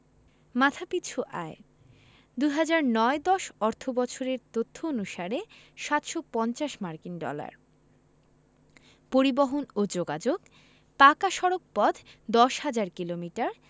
মাথাপিছু আয়ঃ ২০০৯ ১০ অর্থবছরের তথ্য অনুসারে ৭৫০ মার্কিন ডলার পরিবহণ ও যোগাযোগঃ পাকা সড়কপথ ১০হাজার কিলোমিটার